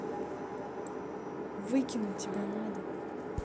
выкинуть тебя надо